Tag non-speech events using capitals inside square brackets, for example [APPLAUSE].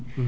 [HESITATION] [HESITATION]